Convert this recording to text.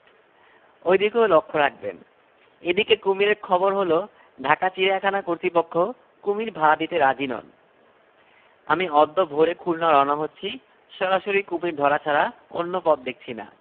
এই টেলিগ্রামের অর্থ সিদ্দিক সাহেব কিছুই বুঝলেন না আর্টিস্ট কামিং মানে কি হওয়া উচিত ক্রোকোডাইল কামিং স্থানীয় কলেজের ইংরেজীর অধ্যাপককে অর্থ উদ্ধারের জন্য দেয়া হল